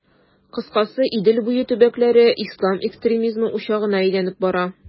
Кыскасы, Идел буе төбәкләре ислам экстремизмы учагына әйләнә бара.